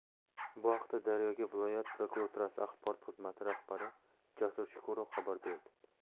bu haqda daryo ga viloyat prokuraturasi axborot xizmati rahbari jasur shukurov xabar berdi